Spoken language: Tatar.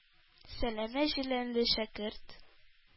Сәләмә җиләнле шәкерт,